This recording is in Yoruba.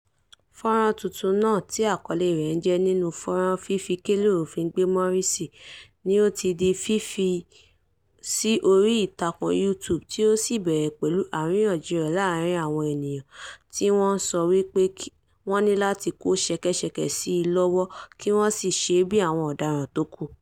Fọ́nrán tuntun náà, tí àkọlé rẹ̀ ń jẹ́ "nínú fọ́nrán, fifi kélé òfin gbé Morsi", ni ó ti di fífi sí orí ìtàkùn YouTube tí ó sì bẹ̀rẹ̀ pẹ̀lú àríyànjiyàn láàárín àwọn ènìyàn [ar] tí wọ́n ń sọ wí pé wọ́n ní láti kó ṣẹ́kẹ́ṣẹkẹ̀ sí "i" lọ́wọ́ kí wọ́n sì "ṣeé bí àwọn ọ̀daràn yòókù".